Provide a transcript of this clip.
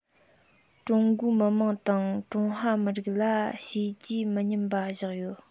ཀྲུང གོའི མི དམངས དང ཀྲུང ཧྭ མི རིགས ལ བྱས རྗེས མི ཉམས པ བཞག ཡོད